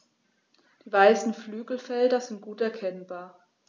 Die weißen Flügelfelder sind gut erkennbar.